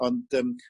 Ond yym